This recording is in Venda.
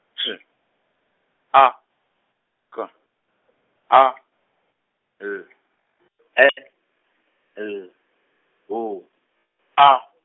T A K A L E L W A.